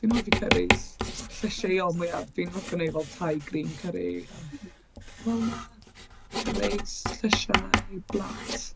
Dwi'n hoffi cyris, llysieuol... neis ...mwya. Dwi'n licio wneud fel thai green curry a... mm ...peth fel 'na. Reis, llysiau, blas.